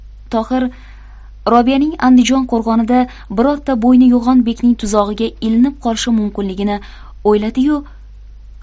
tohir robiyaning andijon qo'rg'onida birorta bo'yni yo'g'on bekning tuzog'iga ilinib qolishi mumkinligini o'yladi yu